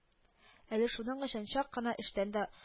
Әле шуның өчен чак кына эштән дә